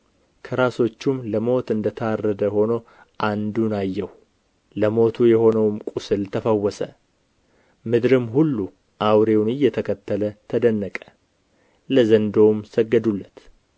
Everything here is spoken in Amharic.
ከራሶቹም ለሞት እንደ ታረደ ሆኖ አንዱን አየሁ ለሞቱ የሆነውም ቍስል ተፈወሰ ምድርም ሁሉ አውሬውን እየተከተለ ተደነቀ ለዘንዶውም ሰገዱለት